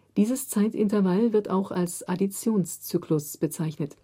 Dieses Zeitintervall wird auch als Additionszyklus bezeichnet